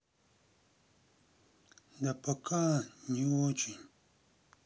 да пока не очень